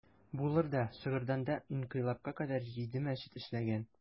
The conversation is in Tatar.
Булыр да, Шыгырданда инкыйлабка кадәр җиде мәчет эшләгән.